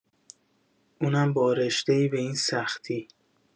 اونم با رشته‌ای به این سختی